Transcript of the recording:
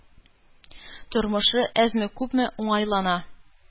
Тормышы әзме-күпме уңайлана,